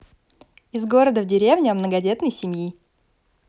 из города в деревню о многодетной семьи